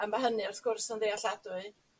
A ma' hynny wrth gwrs yn ddealladwy.